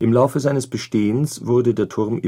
Laufe seines Bestehens wurde der Turm